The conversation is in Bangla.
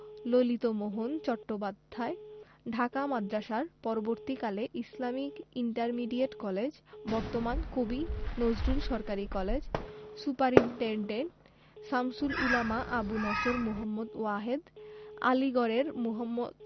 ললিতমোহন চট্টোপাধ্যায় ঢাকা মাদ্রাসার পরবর্তীকালে ইসলামিক ইন্টারমিডিয়েট কলেজ বর্তমান কবি নজরুল সরকারি কলেজ সুপারিন্টেন্ডেন্ট শামসুল উলামা আবু নসর মুহম্মদ ওয়াহেদ আলীগড়ের মোহাম্মদ